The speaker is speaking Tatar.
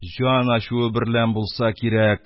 Җан ачуы берлән булса кирәк,